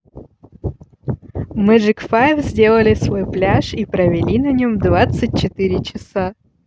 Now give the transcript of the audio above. magic five сделали свой пляж и провели на нем двадцать четыре часа